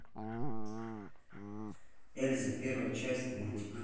эльза первая часть мультик